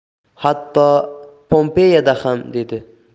hatto pompeyada ham dedi